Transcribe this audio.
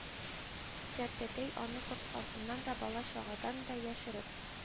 Картәтәй аны корткасыннан да, бала-чагадан да яшереп